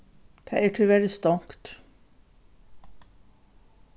tað er tíverri stongt